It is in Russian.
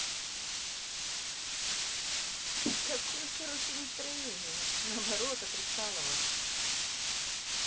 какое хорошее настроение наоборот отрицалово